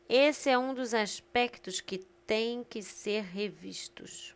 esse é um dos aspectos que têm que ser revistos